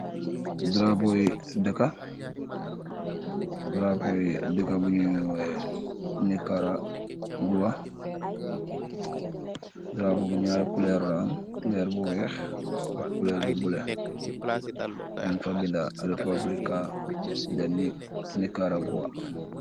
Drapeau yii dehkah, drapeau yii dehkah bu njui woyeh nicahragua, drapeau bi njarri couleur la am, couleur bu wekh ak couleur bu bleu, nung fa binda al publica de ni, nicahragua.